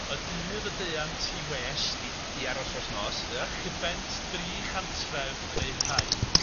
Y dydd y deuant i west... I i aros dros nos. ...archubent dri chantref yn ei rhaid.